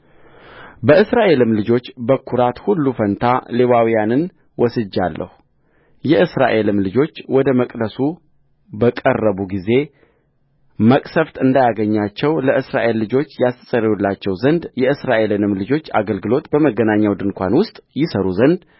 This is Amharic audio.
በእስራኤልም ልጆች በኵራት ሁሉ ፋንታ ሌዋውያንን ወስጄአለሁየእስራኤልም ልጆች ወደ መቅደሱ በቀረቡ ጊዜ መቅሠፍት እንዳያገኛቸው ለእስራኤል ልጆች ያስተሰርዩላቸው ዘንድ የእስራኤልንም ልጆች አገልግሎት በመገናኛው ድንኳን ውስጥ ይሠሩ ዘንድ